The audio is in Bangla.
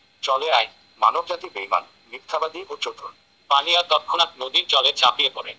চলে আয় মানবজাতি বেইমান মিথ্যাবাদী ও চতুর পানিয়া তৎক্ষণাৎ নদীর জলে ঝাঁপিয়ে পড়ে